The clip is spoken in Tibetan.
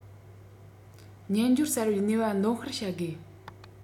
སྨྱན སྦྱོར གསར པའི ནུས པ འདོན སྤེལ བྱ དགོས